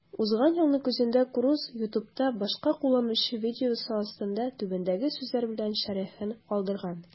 Узган елның көзендә Круз YouTube'та башка кулланучы видеосы астында түбәндәге сүзләр белән шәрехен калдырган: